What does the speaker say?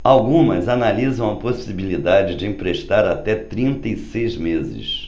algumas analisam a possibilidade de emprestar até trinta e seis meses